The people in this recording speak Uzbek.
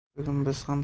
bugun biz hamma